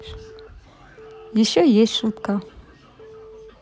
еще есть шутка